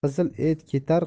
qizil et ketar